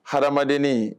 Ha adamadamaden